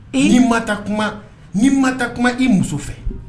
I ni mata kuma ni mata kuma i muso fɛ